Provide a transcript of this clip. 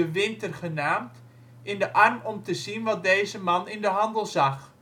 Winter genaamd, in de arm om te zien wat deze man in de handel zag